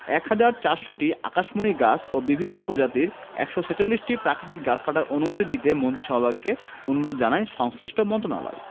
১ হাজার ৪০০টি আকাশমণি গাছ ও বিভিন্ন প্রজাতির ১৪৬টি প্রাকৃতিক গাছ কাটার অনুমতি দিতে মন্ত্রিসভাকে অনুরোধ জানায় সংশ্লিষ্ট মন্ত্রণালয়